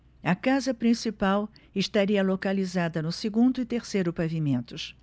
a casa principal estaria localizada no segundo e terceiro pavimentos